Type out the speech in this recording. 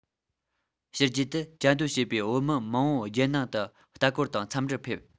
ཕྱི རྒྱལ དུ བཅའ སྡོད བྱེད པའི བོད མི མང པོ རྒྱལ ནང དུ ལྟ སྐོར དང མཚམས འདྲིར ཕེབས